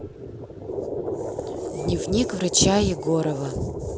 дневник врача егорова